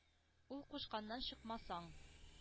Ул кушканнан чыкмасаң,